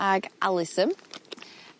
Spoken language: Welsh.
ag alyssum